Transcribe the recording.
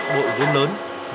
đội vốn lớn